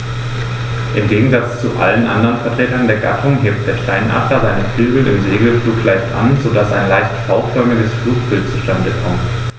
Im Gegensatz zu allen anderen Vertretern der Gattung hebt der Steinadler seine Flügel im Segelflug leicht an, so dass ein leicht V-förmiges Flugbild zustande kommt.